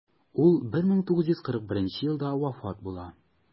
Ул 1941 елда вафат була.